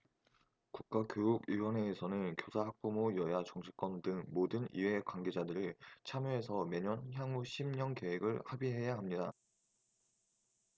국가교육위원회에서는 교사 학부모 여야 정치권 등 모든 이해관계자들이 참여해서 매년 향후 십 년 계획을 합의해야 합니다